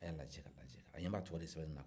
a y'a lajɛ ka lajɛ a ɲɛ b'a tɔgɔ de sɛbɛnna